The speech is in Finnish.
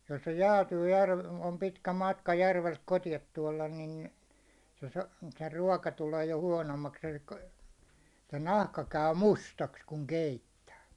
jos se jäätyy - on pitkä matka järveltä kotiin tuoda niin se - se ruoka tulee jo huonommaksi eli se nahka käy mustaksi kun keittää